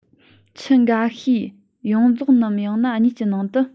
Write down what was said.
ཁྱུ འགའ ཤས ཡོངས རྫོགས ནང ངམ ཡང ན ཁྱུ གཉིས པའི ནང དུ